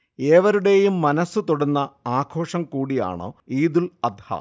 ഏവരുടെയും മനസ്സ് തൊടുന്ന ആഘോഷം കൂടിയാണ് ഈദുൽ അദ്ഹ